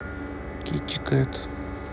китти кэт